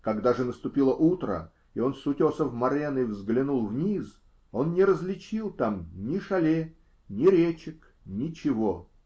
Когда же наступило утро, и он с утесов морены взглянул вниз, он не различил там ни шале, ни речек -- ничего.